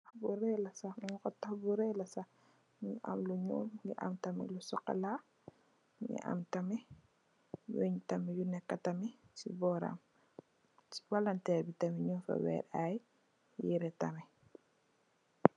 Bu rëy la sah, manè ko taah bu rëy la sah mungi am lu ñuul mungi am tamit lu sokola. Mungi am tamit wënn tamit yu nekka tamit ci boram. Ci palanteer bi tamit nung fa wèrr ay yiré tamit.